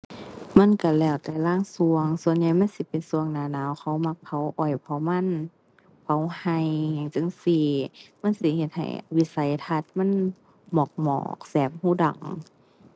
มันก็แล้วแต่ลางช่วง ส่วนใหญ่มันสิเป็นช่วงหน้าหนาว เขามักเผาอ้อย เผามัน เผาก็หยังจั่งซี้ มันสิเฮ็ดให้วิสัยทัศน์มันหมอกหมอก แสบก็ดัง